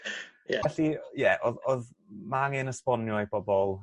Ie. Felly ie o'dd o'dd ma' angen esbonio i bobol